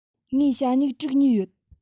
ངས ཞྭ སྨྱུག དྲུག ཉོས ཡོད